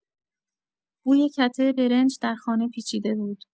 بوی کته برنج در خانه پیچیده بود.